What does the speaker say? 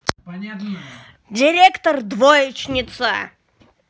директор двоечница